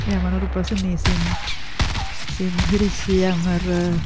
Ia mae yna rwbath yn hi sy'n sy'n hiraethu am yr yy...